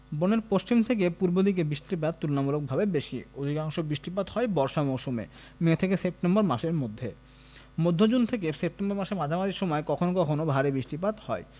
বনের পশ্চিম থেকে পূর্ব দিকে বৃষ্টিপাত তুলনামূলকভাবে বেশি অধিকাংশ বৃষ্টিপাত হয় বর্ষা মৌসুমে মে থেকে সেপ্টেম্বর মাসের মধ্যে মধ্য জুন থেকে সেপ্টেম্বর মাসের মাঝামাঝি সময় কখনও কখনও ভারী বৃষ্টিপাত হয়